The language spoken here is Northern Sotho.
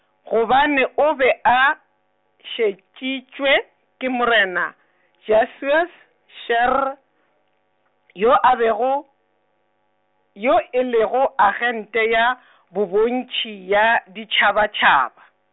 gobane o be a, šetšitšwe ke morena, Jasues Scherrer, yo a be go, yo e lego agente ya , bobontšhi ya ditšhabatšhaba.